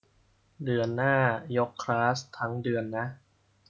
เดือนหน้ายกคลาสทั้งเดือนนะ